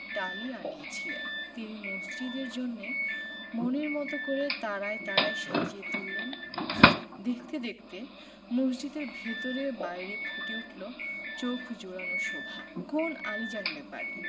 টালি আনিয়েছিলেন তিনি মসজিদের জন্যে মনের মতো করে তারায় তারায় সাজিয়ে তুললেন মসজিদ দেখতে দেখতে মসজিদের ভেতরে বাইরে ফুটে উঠলো চোখ জুড়োনো শোভা কোন আলীজান ব্যাপারী